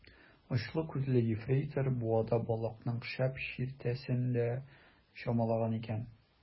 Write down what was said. Очлы күзле ефрейтор буада балыкның шәп чиертәсен дә чамалаган икән.